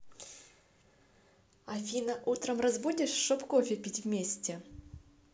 афина утром разбудишь шоб кофе пить вместе